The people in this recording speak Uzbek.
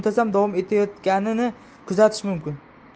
muntazam davom etayotganini kuzatish mumkin